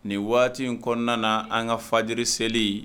Nin waati in kɔnɔna na an ka fajri selieli